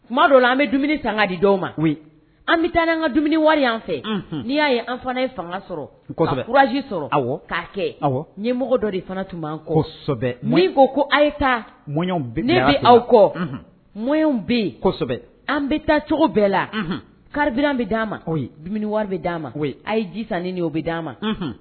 Ma dɔ la an bɛ dumuni sanga di di' ma an bɛ taa n an ka dumuni wari an fɛ n'i y'a ye an fana ye fanga sɔrɔsɛbɛji sɔrɔ k ka kɛ n mɔgɔ dɔ de fana tun b'an kosɛbɛ mun ko ko' ye taa mɔɲ bɛ ne bɛ aw kɔ mɔy bɛ yen an bɛ taa cogo bɛɛ la karibian bɛ d'a ma o dumuni wari bɛ d'a ma a ye ji san o bɛ d'a ma